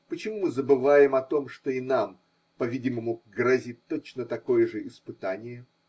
Почему мы забываем о том, что и нам, по-видимому, грозит точно такое же испытание?